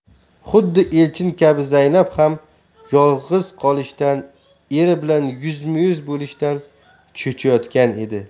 xuddi elchin kabi zaynab ham yolg'iz qolishdan eri bilan yuzma yuz bo'lishdan cho'chiyotgan edi